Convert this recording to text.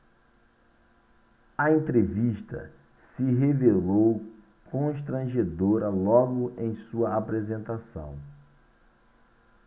a entrevista se revelou constrangedora logo em sua apresentação